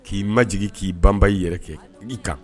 K'i ma jigin k'i banba i yɛrɛ kɛ i'i kan